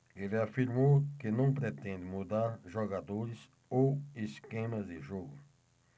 ele afirmou que não pretende mudar jogadores ou esquema de jogo